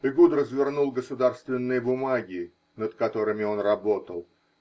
Эгуд развернул государственные бумаги, над которыми он работал.